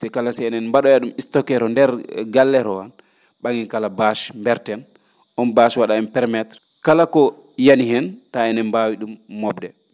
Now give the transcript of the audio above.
te kala si enen mba?oya ?um stoqué ro ndeer galle roo han ?a?en kala bache mberten oon bache wa?a en permettre kala ko yani heen taa enen mbaawi ?um mo?de